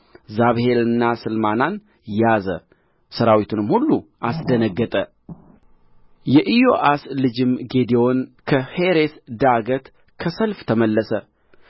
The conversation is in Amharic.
ዛብሄልንና ስልማናን ያዘ ሠራዊቱንም ሁሉ አስደነገጠ የኢዮአስ ልጅም ጌዴዎን ከሔሬስ ዳገት ከሰልፍ ተመለሰ